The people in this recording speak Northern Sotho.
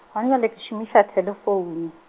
gona le ke šomiša thelefoune.